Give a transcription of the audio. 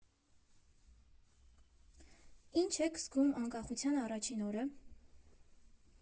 ֊Ի՞նչ եք զգում անկախության առաջին օրը։